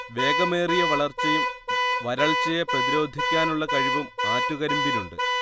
വേഗമേറിയ വളർച്ചയും വരൾച്ചയെ പ്രതിരോധിക്കാനുള്ള കഴിവും ആറ്റുകരിമ്പിനുണ്ട്